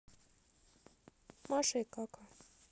маша и кака